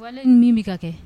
Wale ni min bɛ ka kɛ